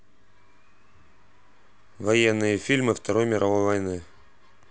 военные фильмы второй мировой войны